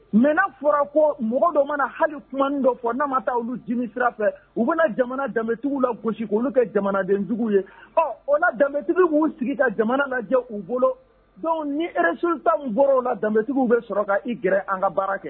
Mɛ fɔra ko mɔgɔ dɔ mana hali kuma dɔ fɔ n'a ma taa dimi sira fɛ u bɛna jamana danbetigiw la gosi k olu kɛ jamanadentigiw ye ɔ o la danbetigiw'u sigi ka jamana lajɛjɛ u bolo ni ere sunta u bɔra la danbetigiw bɛ sɔrɔ k' gɛrɛ an ka baara kɛ